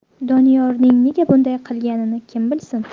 doniyorning nega bunday qilganini kim bilsin